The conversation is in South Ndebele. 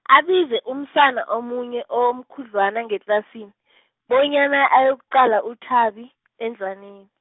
abize umsana omunye omkhudlwana ngetlasini, bonyana ayokuqala uThabi, endlwane-.